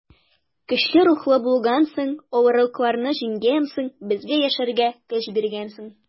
Көчле рухлы булгансың, авырлыкларны җиңгәнсең, безгә яшәргә көч биргәнсең.